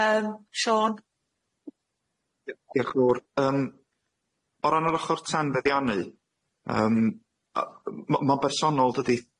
Yym Siôn? D- diolch yn fawr yym o ran yr ochor tanfeddeiddianu yym yy m- m- ma'n bersonol dydi?